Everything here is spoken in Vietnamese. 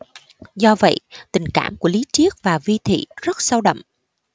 do vậy tình cảm của lý triết và vi thị rất sâu đậm